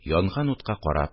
Янган утка карап